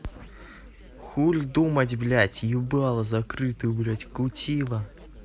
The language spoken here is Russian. хуль думать блядь ебало закрытую блядь кутила